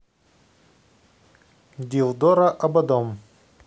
dildora ободом